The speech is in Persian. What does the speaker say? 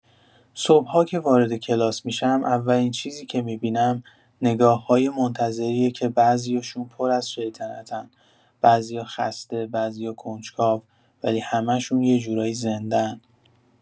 صبح‌ها که وارد کلاس می‌شم، اولین چیزی که می‌بینم، نگاه‌های منتظریه که بعضیاشون پر از شیطنتن، بعضیا خسته، بعضیا کنجکاو، ولی همشون یه جورایی زنده‌ن.